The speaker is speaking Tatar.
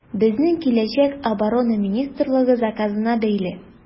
Безнең киләчәк Оборона министрлыгы заказына бәйле.